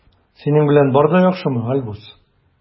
Синең белән бар да яхшымы, Альбус?